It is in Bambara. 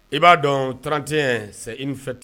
I b'a dɔn trante se i ni fɛti